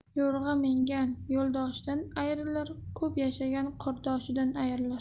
yo'rg'a mingan yo'ldoshidan ayrilar ko'p yashagan qurdoshidan ayrilar